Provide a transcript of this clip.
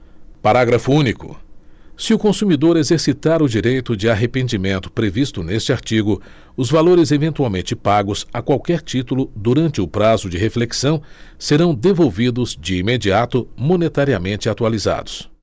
parágrafo único se o consumidor exercitar o direito de arrependimento previsto neste artigo os valores eventualmente pagos a qualquer título durante o prazo de reflexão serão devolvidos de imediato monetariamente atualizados